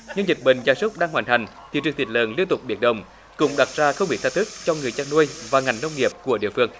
nhưng dịch bệnh gia súc đang hoành hành thị trường thịt lợn tiếp tục biến động cũng đặt ra không ít thách thức trong việc chăn nuôi và ngành nông nghiệp của địa phương